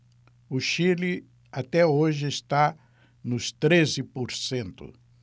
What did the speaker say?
o chile até hoje está nos treze por cento